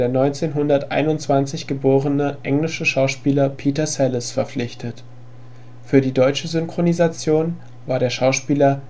1921 geborene englische Schauspieler Peter Sallis verpflichtet. Für die deutsche Synchronisation war der Schauspieler